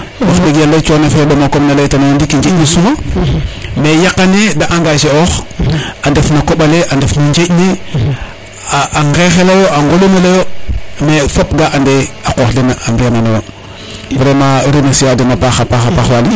wax deg yala comme ne leyta nona ndiki njeƴ ne suma mais yaqane de engager ox a ndef na koɓale a ndefno njeƴ ne a ngexeloyo a ŋoɗomole yo mais fop ga ande a qoox dena mbiya nanayo vraiment i remercier a dena a paxa paxa paax rek Waly